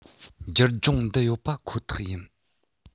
འགྱུར འབྱུང འདི ཡོད པ ཁོ ཐག ཡིན